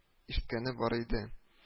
Ишеткәне бар иде